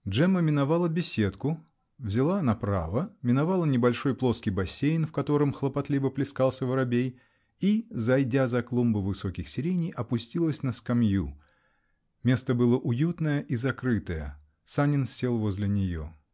Джемма миновала беседку, взяла направо, миновала небольшой плоский бассейн, в котором хлопотливо плескался воробей, и, зайдя за клумбу высоких сиреней, опустилась на скамью. Место было уютное и закрытое. Санин сел возле нее.